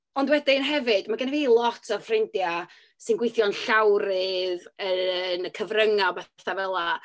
Ond wedyn hefyd ma' gynna fi lot o ffrindiau sy'n gweithio'n llawrydd yn y cyfryngau a pethau fela.